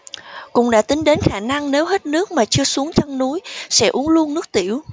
cũng đã tính đến khả năng nếu hết nước mà chưa xuống chân núi sẽ uống luôn nước tiểu